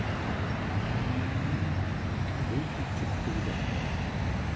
выйти чуть передохнем